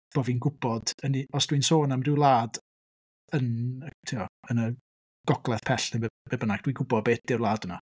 Bod fi'n gwybod yn u-... os dwi'n sôn am ryw wlad yn y... timod yn y Gogledd pell neu be be bynnag, dwi'n gwbod be ydy'r wlad yna.